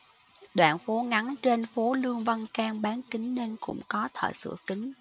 đoạn phố ngắn trên phố lương văn can bán kính nên cũng có thợ sửa kính